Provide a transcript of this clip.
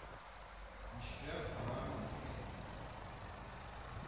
Ничекләр карармын икән, димен